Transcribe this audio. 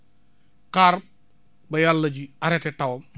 xaar ba yàlla ji arrêté tawam